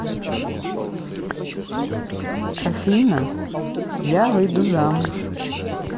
афина я выйду замуж